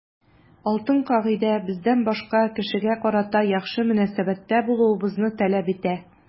Алтын кагыйдә бездән башка кешегә карата яхшы мөнәсәбәттә булуыбызны таләп итә.